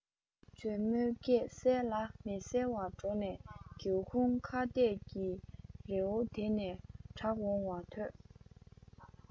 འཇོལ མོའི སྐད གསལ ལ མི གསལ བ སྒོ ནས སྒེའུ ཁུང ཁ གཏད ཀྱི རི བོ དེ ནས གྲགས འོང བ ཐོས